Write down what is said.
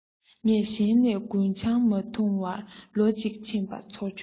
ངས གཞི ནས རྒུན ཆང མ འཐུང བར ལོ གཅིག ཕྱིན པ ཚོར བྱུང